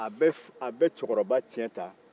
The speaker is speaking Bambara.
a bɛ fɔ a bɛ cɛkɔrɔba cɛn ta